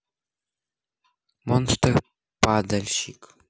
monster падальщик